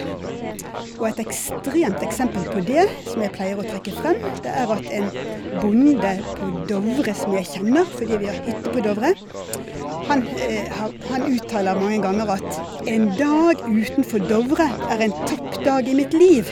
Og et ekstremt eksempel på det, som jeg pleier å trekke frem, det er at en bonde på Dovre som jeg kjenner fordi vi har hytte på Dovre, han har han uttaler mange ganger at En dag utenfor Dovre er en tapt dag i mitt liv.